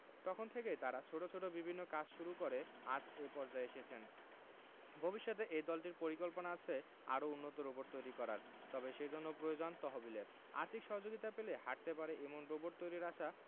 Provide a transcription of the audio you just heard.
তখন থেকেই তারা ছোট ছোট বিভিন্ন কাজ শুরু করে আজ এ পর্যায়ে এসেছেন ভবিষ্যতে এই দলটির পরিকল্পনা আছে আরও উন্নত রোবট তৈরি করার তবে সেজন্য প্রয়োজন তহবিলের আর্থিক সহযোগিতা পেলে হাটতে পারে এমন রোবট তৈরির আশা